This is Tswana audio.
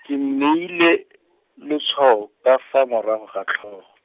ke mmeile , lotshwao, ka fa morago ga tlhogo.